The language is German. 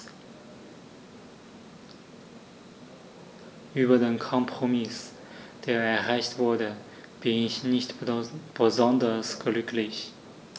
Über den Kompromiss, der erreicht wurde, bin ich nicht besonders glücklich.